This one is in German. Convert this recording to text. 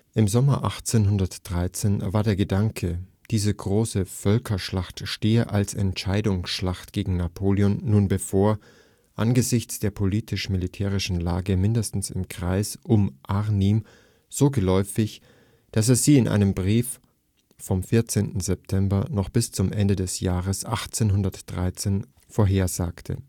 Im Sommer 1813 war der Gedanke, diese „ große Völkerschlacht “stehe als Entscheidungsschlacht gegen Napoleon nun bevor, angesichts der politisch-militärischen Lage mindestens im Kreis um Arnim so geläufig, dass er sie in einem Brief vom 14. September noch bis zum Ende des Jahres 1813 vorhersagte